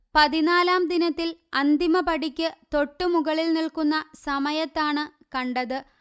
പതിനാലാം ദിനത്തിൽ അന്തിമ പടിക്കു തൊട്ടു മുകളിൽ നിൽക്കുന്ന സമയത്താണ് കണ്ടത്